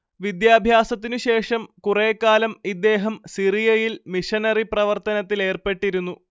വിദ്യാഭ്യാസത്തിനുശേഷം കുറേക്കാലം ഇദ്ദേഹം സിറിയയിൽ മിഷനറി പ്രവർത്തനത്തിലേർപ്പെട്ടിരുന്നു